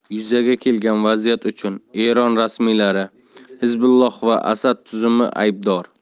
yuzaga kelgan vaziyat uchun eron rasmiylari 'hizbulloh' va asad tuzumi aybdor